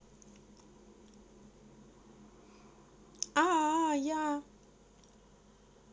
а я а я